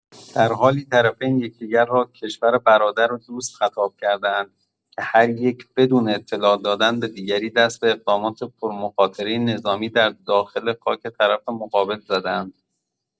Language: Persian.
در حالی طرفین یکدیگر را کشور «برادر» و «دوست» خطاب کرده‌اند که هر یک بدون اطلاع دادن به دیگری دست به اقدامات پرمخاطره نظامی در داخل خاک طرف مقابل زده‌اند.